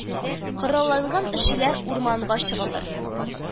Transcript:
Коралланган эшчеләр урамнарга чыгалар